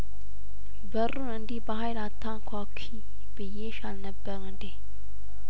በሩን እንዲህ በሀይል አታንኳኲ ብዬሽ አልነበር እንዴ